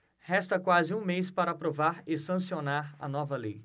resta quase um mês para aprovar e sancionar a nova lei